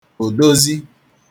òdozi